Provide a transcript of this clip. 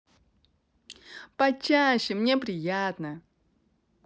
почаще мне приятно